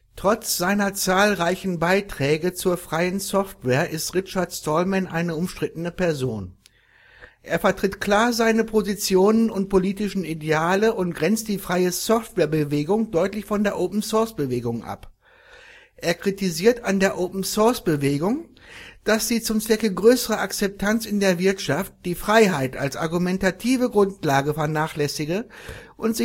Trotz seiner zahlreichen Beiträge zur freien Software ist Richard Stallman eine umstrittene Person. Er vertritt klar seine Positionen und politischen Ideale und grenzt die Freie-Software-Bewegung deutlich von der Open-Source-Bewegung ab. Er kritisiert an der Open-Source-Bewegung, dass sie zum Zwecke größerer Akzeptanz in der Wirtschaft die Freiheit als argumentative Grundlage vernachlässige und